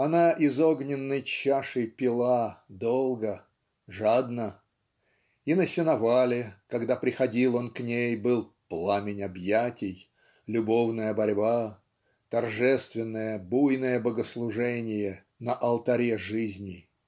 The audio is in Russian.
она из огненной чаши пила долго жадно. И на сеновале когда приходил он к ней были "пламень объятий любовная борьба торжественное буйное богослуженье на алтаре жизни".